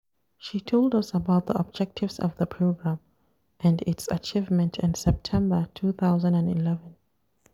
She told us about the objectives of the programme and its achievements in September 2011.